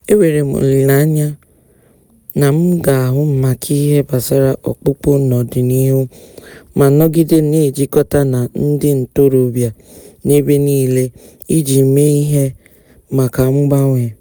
Enwere m olile anya na m ga-ahụ maka ihe gbasara ọpụpụ n'ọdịnihu ma nọgide na-ejikọta na ndị ntorobịa n'ebe nile iji mee ihe maka mgbanwe.